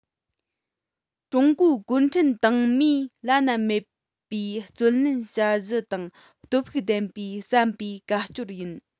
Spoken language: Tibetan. ཀྲུང གོའི གུང ཁྲན ཏང མིའི བླ ན མེད པའི བརྩོན ལེན བྱ གཞི དང སྟོབས ཤུགས ལྡན པའི བསམ པའི ཀ སྐྱོར ཡིན